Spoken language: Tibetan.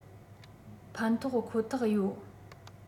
ཕན ཐོགས ཁོ ཐག ཡོད